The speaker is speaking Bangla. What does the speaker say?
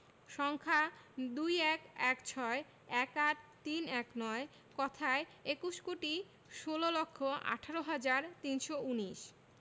সংখ্যাঃ ২১ ১৬ ১৮ ৩১৯ কথায়ঃ একুশ কোটি ষোল লক্ষ আঠারো হাজার তিনশো উনিশ